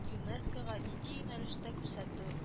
ЮНЕСКО га нинди юнәлештә күрсәтү